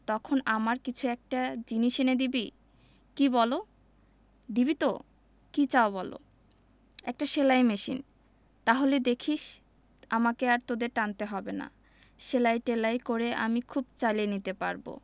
তখন আমার কিছু একটা জিনিস এনে দিবি কি বলো দিবি তো কি চাও বলো একটা সেলাই মেশিন তাহলে দেখিস আমাকে আর তোদের টানতে হবে না সেলাই টেলাই করে আমি খুব চালিয়ে নিতে পারব